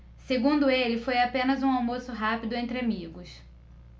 segundo ele foi apenas um almoço rápido entre amigos